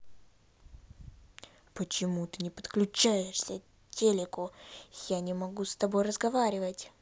почему ты не подключаешься телеку я не могу с тобой разговорить